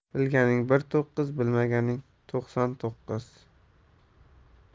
bilganing bir to'qqiz bilmaganing to'qson to'qqiz